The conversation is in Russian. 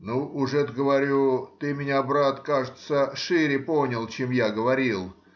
— Ну, уж это,— говорю,— ты меня, брат, кажется, шире понял, чем я говорил